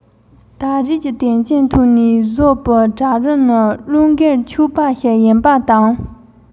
ཞིང པ ནི བློས འགེལ ཆོག པ ཞིག ཡིན པ